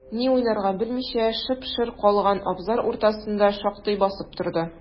Ни уйларга белмичә, шып-шыр калган абзар уртасында шактый басып торды.